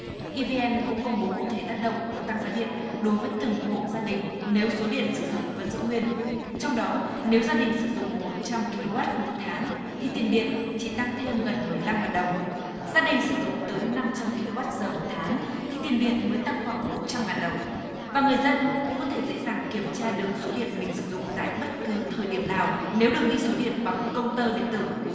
i vê en cũng công bố cụ thể tác động của tăng giá điện đối với từng hộ gia đình nếu số điện sử dụng vẫn giữ nguyên trong đó nếu gia đình sử dụng một trăm ki lô goát một tháng thì tiền điện chỉ tăng thêm gần mười lăm ngàn đồng gia đình sử dụng tới năm trăm ki lô goát giờ một tháng thì tiền điện mới tăng khoảng một trăm ngàn đồng và người dân cũng có thể dễ dàng kiểm tra được số điện mình sử dụng tại bất cứ thời điểm nào nếu được ghi số điện bằng công tơ điện tử